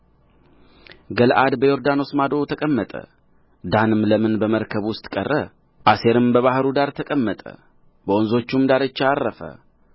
ገለዓድ በዮርዳኖስ ማዶ ተቀመጠ ዳንም ለምን በመርከብ ውስጥ ቀረ አሴርም በባሕሩ ዳር ተቀመጠ በወንዞቹም ዳርቻ ዐረፈ